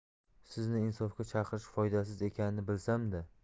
sizni insofga chaqirish foydasiz ekanini bilsam da